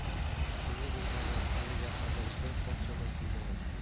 Тиңе булмаган, әлегә кадәр бер патша да килмәгән